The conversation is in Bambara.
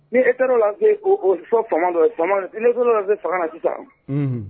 Ni e taara lo lase fang la sisan